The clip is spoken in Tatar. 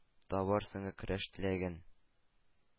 Табар соңгы көрәш теләген.